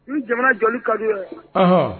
Ni jamanajɔ ka di aɔn